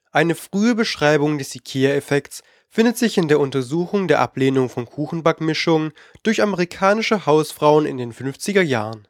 Eine frühe Beschreibung des IKEA-Effekts findet sich in der Untersuchung der Ablehnung von Kuchen-Backmischungen durch amerikanische Hausfrauen in den 1950er Jahren